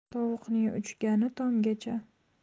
tovuqning uchgani tomgacha